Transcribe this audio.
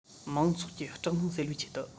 མང ཚོགས ཀྱི སྐྲག སྣང སེལ བའི ཆེད དུ